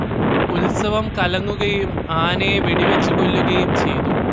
ഉത്സവം കലങ്ങുകയും ആനയെ വെടിവച്ചുകൊല്ലുകയും ചെയ്തു